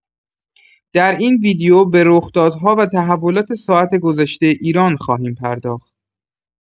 در این ویدئو به رخدادها و تحولات ساعات گذشتۀ ایران خواهیم پرداخت.